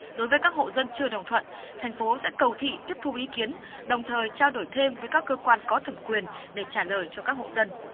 đối với các hộ dân chưa đồng thuận thành phố sẽ cầu thị tiếp thu ý kiến đồng thời trao đổi thêm với các cơ quan có thẩm quyền để trả lời cho các hộ dân